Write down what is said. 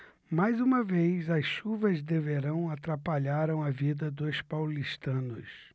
mais uma vez as chuvas de verão atrapalharam a vida dos paulistanos